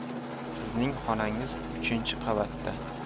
sizning xonangiz uchinchi qavatda